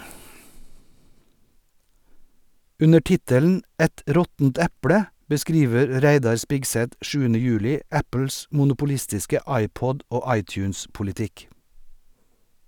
Under tittelen "Et råttent eple" beskriver Reidar Spigseth 7. juli Apples monopolistiske iPod- og iTunes-politikk.